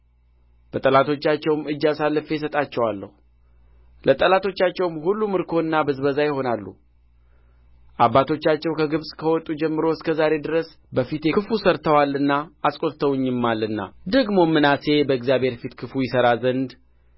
በጠላቶቻቸውም እጅ አሳልፌ እሰጣቸዋለሁ ለጠላቶቻቸውም ሁሉ ምርኮና ብዝበዛ ይሆናሉ አባቶቻቸው ከግብጽ ከወጡ ጀምሮ እስከ ዛሬ ድረስ በፊቴ ክፉ ሠርተዋልና አስቈጥተውኝማልና ደግሞም ምናሴ በእግዚአብሔር ፊት ክፉ ይሠራ ዘንድ